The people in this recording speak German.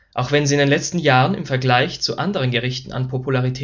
auch wenn sie in den letzten Jahren im Vergleich zu anderen Gerichten an Popularität